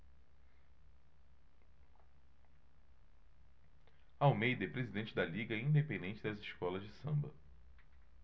almeida é presidente da liga independente das escolas de samba